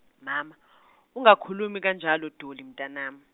mama, ungakhulumi kanjalo Dolly mntanami.